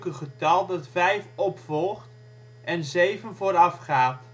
getal dat vijf opvolgt en zeven voorafgaat